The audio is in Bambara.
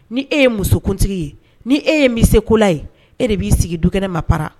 Ni e ye musokuntigi ye ni e ye bɛ sekola ye e de b'i sigi dukɛnɛ ma para